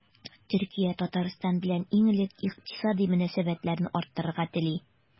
Төркия Татарстан белән иң элек икътисади мөнәсәбәтләрне арттырырга тели.